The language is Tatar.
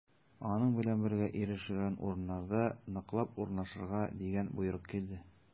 Аның белән бергә ирешелгән урыннарда ныклап урнашырга дигән боерык килде.